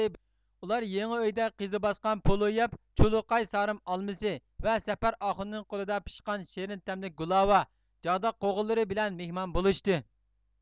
ئۇلار يېڭى ئۆيدە قىيزا باسقان پولۇ يەپ چۇلۇقاي سارىم ئالمىسى ۋە سەپەر ئاخۇننىڭ قولىدا پىشقان شېرىن تەملىك گۇلاۋا جاغدا قوغۇنلىرى بىلەن مېھمان بولۇشتى